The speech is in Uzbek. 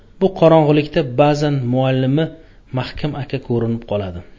bu qorong'ulikda ba'zan muallimi maxkam aka ko'rinib qoladi